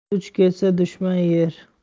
duch kelsa dushman yer